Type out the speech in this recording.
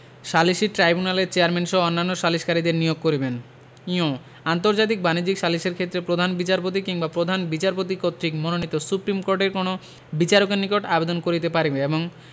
সালিসী ট্রাইব্যুনালের চেয়ারম্যানসহ অন্যান্য সালিসকারীদের নিয়োগ করিবেন ঞ আন্তর্জাতিক বাণিজ্যিক সালিসের ক্ষেত্রে প্রধান বিচারপতি কিংবা প্রধান বিচারপতি কর্তৃক মনোনীত সুপ্রীম কোর্টের কোন বিচারকের নিকট আবেদন করিতে পারিবে এবং